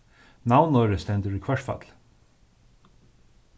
navnorðið stendur í hvørsfalli